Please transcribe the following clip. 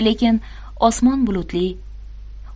lekin osmon bulutli